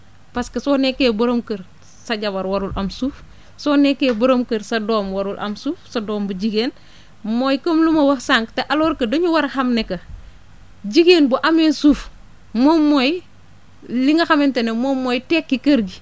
parce que soo nekkee borom kër sa jabar warul am suuf soo nekkee borom kër sa doom warul am suuf sa doom bu jigéen mooy comme lu ma wax sànq te alors aue dañu war a xam ne que jigéen bu amee suuf moom mooy li nga xamante ne moom mooy tekki kër ji